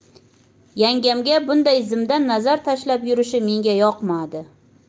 yangamga bunday zimdan nazar tashlab yurishi menga yoqmadi